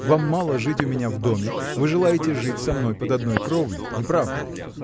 вам мало жить у меня в доме, вы желаете жить со мной под одной кровлей -- не правда ли?